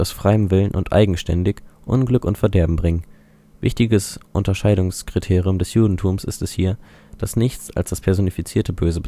freiem Willen und eigenständig Unglück und Verderben bringen. Wichtiges Unterscheidungskriterium des Judentums ist es hier, dass nichts als das personifizierte Böse betrachtet